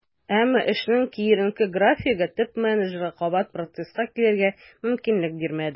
Әмма эшенең киеренке графигы топ-менеджерга кабат процесска килергә мөмкинлек бирмәде.